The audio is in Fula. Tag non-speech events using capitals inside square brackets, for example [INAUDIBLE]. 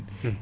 [HESITATION] [HESITATION]